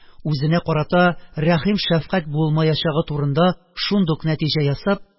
Үзенә карата рәхим-шәфкать булмаячагы турында шундук нәтиҗә ясап,